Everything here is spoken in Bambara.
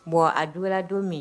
Bon a juguyara don min